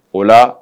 O la